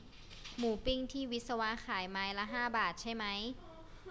หมูปิ้งที่วิศวะขายไม้ละห้าบาทใช่ไหม